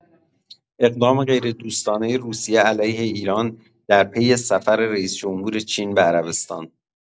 اقدام غیردوستانه روسیه علیه ایران در پی سفر رئیس‌جمهور چین به عربستان